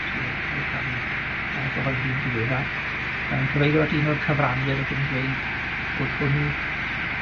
sy wedi ca'l 'u ca'l 'u yy gyhoeddi'n ddiweddar, yn cyfeirio at un o'r cyfranwyr ag yn dweud bod hwnnw